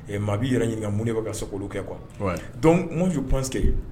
Maa b'i yɛrɛ ɲininka mun ne bɛ ka sogokolo kɛ kuwa dɔn ŋjuse